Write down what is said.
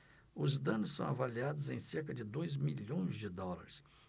os danos são avaliados em cerca de dois milhões de dólares